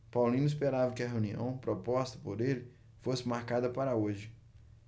paulino esperava que a reunião proposta por ele fosse marcada para hoje